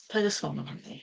Paid a sôn am hynny.